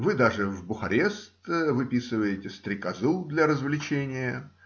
Вы даже в Бухарест выписываете "Стрекозу" для развлечения.